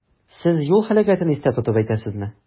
Сез юл һәлакәтен истә тотып әйтәсезме?